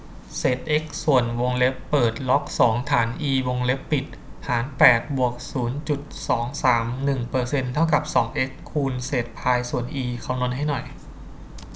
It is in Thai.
เศษเอ็กซ์ส่วนวงเล็บเปิดล็อกสองฐานอีวงเล็บปิดหารแปดบวกศูนย์จุดสองสามหนึ่งเปอร์เซ็นต์เท่ากับสองเอ็กซ์คูณเศษพายส่วนอีคำนวณให้หน่อย